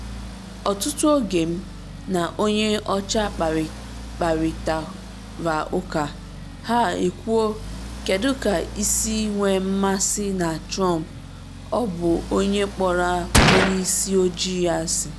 “Ọtụtụ oge m na onye ọcha kparịtara ụka, ha ekwuo: “Kedu ka isi nwee mmasị na Trump, ọ bụ onye kpọrọ onye isi ojii asị?”